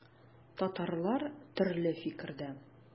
Татарлар төрле фикердә.